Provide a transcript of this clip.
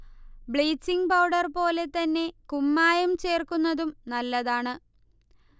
bleaching powder പോലെ തന്നെ കുമ്മായം ചേർക്കുന്നതും നല്ലതാണ്